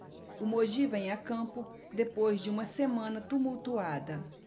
o mogi vem a campo depois de uma semana tumultuada